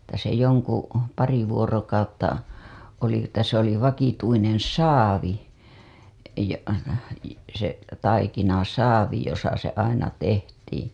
että se jonka pari vuorokautta oli että se oli vakituinen saavi ja se taikinasaavi jossa se aina tehtiin